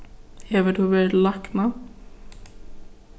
hevur tú verið til lækna